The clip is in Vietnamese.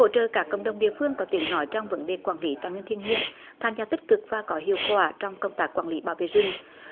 hỗ trợ các cộng đồng địa phương có tiếng nói trong vấn đề quản lý tài nguyên thiên nhiên tham gia tích cực và có hiệu quả trong công tác quản lý bảo vệ rừng